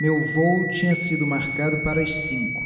meu vôo tinha sido marcado para as cinco